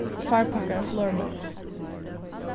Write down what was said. tveir pakkar av flormelis